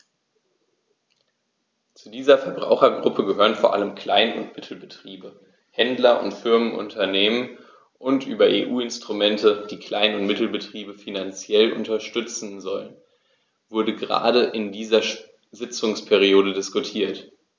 Zu dieser Verbrauchergruppe gehören vor allem Klein- und Mittelbetriebe, Händler und Familienunternehmen, und über EU-Instrumente, die Klein- und Mittelbetriebe finanziell unterstützen sollen, wurde gerade in dieser Sitzungsperiode diskutiert.